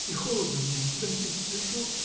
И холодно мне: у тебя здесь свежо.